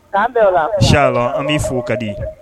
Tiɲɛ an b'i fo ka di